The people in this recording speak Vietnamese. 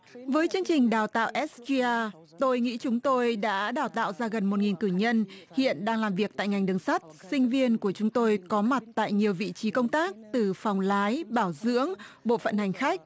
với chương trình đào tạo ép di a tôi nghĩ chúng tôi đã đào tạo ra gần một nghìn cử nhân hiện đang làm việc tại ngành đường sắt sinh viên của chúng tôi có mặt tại nhiều vị trí công tác từ phòng lái bảo dưỡng bộ phận hành khách